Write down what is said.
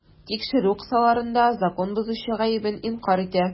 Тикшерү кысаларында закон бозучы гаебен инкарь итә.